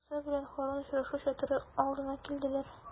Һәм Муса белән Һарун очрашу чатыры алдына килделәр.